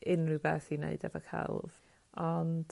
unrhyw beth i neud efo celf ond